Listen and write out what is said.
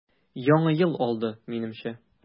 Яңа ел алды, минемчә.